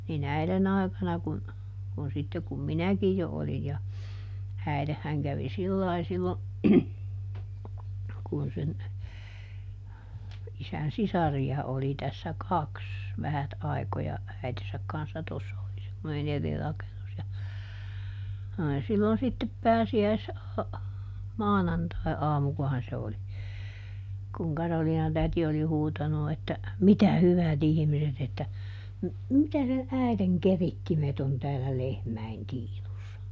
niin äidin aikana kun kun sitten kun minäkin jo olin ja äitihän kävi sillä lailla silloin kun sen isän sisaria oli tässä kaksi vähät aikoja äitinsä kanssa tuossa oli semmoinen eri rakennus ja oli silloin sitten - pääsiäismaanantaiaamukohan se oli kun Karoliina-täti oli huutanut että mitä hyvät ihmiset että - mitä ne äidin keritsimet on täällä lehmien tiinussa